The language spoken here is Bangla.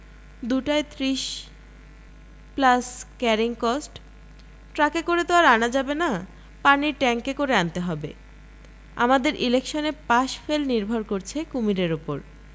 দুটায় ত্রিশ প্লাস ক্যারিং কস্ট ট্রাকে করে তো আর আনা যাবে না পানির ট্যাংকে করে আনতে হবে আমাদের ইলেকশনে পাশ ফেল নির্ভর করছে কুমীরের উপর